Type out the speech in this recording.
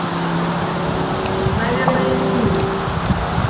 наверное милый